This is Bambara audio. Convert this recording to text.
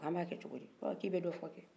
a bɛ coko b'a coko di ɔn k'i dbɛ dof